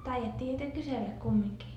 taidettiin niitä kysellä kumminkin